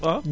waaw